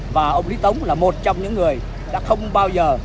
và ông lý tống là một trong những người đã không bao giờ